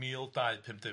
Mil dau pump dim.